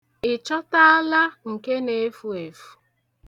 Ị chọtaala nke na-efu efu?